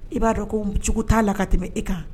I b'a dɔn ko jugu t'a la ka tɛmɛ e kan